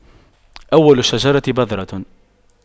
أول الشجرة بذرة